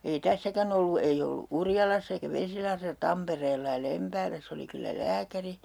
ei tässäkään ollut ei ollut Urjalassa eikä Vesilahdessa Tampereella ja Lempäälässä oli kyllä lääkäri